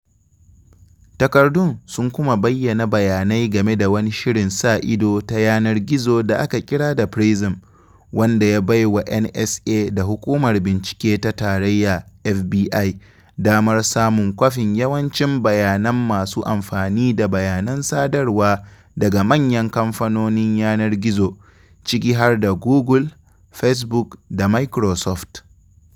Takardun sun kuma bayyana bayanai game da wani shirin sa ido ta yanar gizo da aka kira da PRISM, wanda ya bai wa NSA da Hukumar Bincike ta Tarayya (FBI) damar samun kwafin yawancin bayanan masu amfani da bayanan sadarwa daga manyan kamfanonin yanar gizo, ciki har da Google, Facebook, da Microsoft.